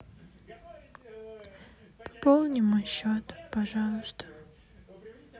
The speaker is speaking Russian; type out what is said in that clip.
пополни мой счет пожалуйста